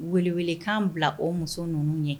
Weleele kan bila o muso ninnu ye.